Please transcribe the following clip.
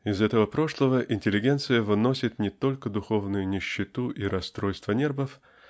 Из этого прошлого интеллигенция выносит не только духовную нищету и расстройство нервов